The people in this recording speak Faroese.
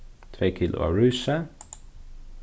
tvey kilo av rísi